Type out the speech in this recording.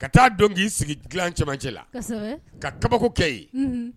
Ka taa dɔn k'i sigi dila cɛmancɛ la ka kabako kɛ ye